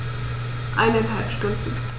Eineinhalb Stunden